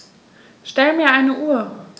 Stell mir eine Uhr.